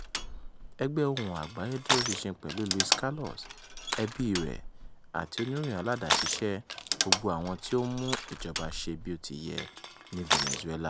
Ẹgbẹ́ Ohùn Àgbáyé dúró ṣinṣin pẹ̀lú Luis Carlos, ẹbíi rẹ̀, àti oníròyìn aládàáṣiṣẹ́ gbogbo àwọn tí ó ń mú ìjọba ṣe bí ó ti yẹ ní Venezuela.